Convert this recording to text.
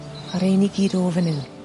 A rein ni gyd o fan 'yn.